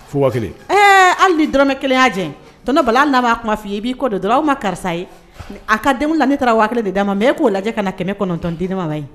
Fo hali ni dɔrɔnɔrɔmɛ kelenya jɛ t bala na a kuma f' i b'i kɔ don dɔrɔn aw ma karisa ye a ka denmusomu ne taara waati kelen de d'a ma mɛ e k'o lajɛ ka na kɛmɛ kɔnɔntɔn diinma ma ye